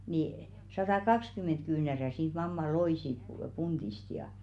niin satakaksikymmentä kyynärää siitä mamma loi siitä - puntista ja